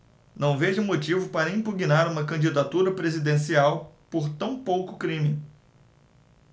não vejo motivo para impugnar uma candidatura presidencial por tão pouco crime